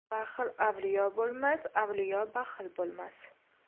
baxil avliyo bo'lmas avliyo baxil bo'lmas